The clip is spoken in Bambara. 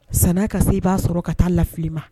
San ka se i b'a sɔrɔ ka taa lafili ma